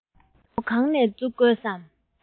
མགོ གང ནས འཛུགས དགོས སམ